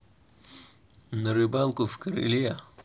на рыбалку в крыле